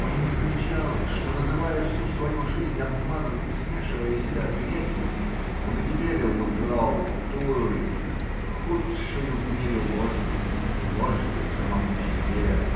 Он не замечал, что, называя всю свою жизнь обманом и смешивая себя с грязью, он и теперь лгал тою же, худшею в мире ложью, ложью самому себе.